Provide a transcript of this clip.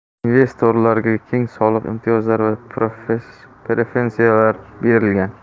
investorlarga keng soliq imtiyozlari va preferensiyalar berilgan